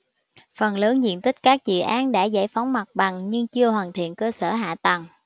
phần lớn diện tích các dự án đã giải phóng mặt bằng nhưng chưa hoàn thiện cơ sở hạ tầng